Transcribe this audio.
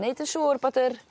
neud yn siŵr bod yr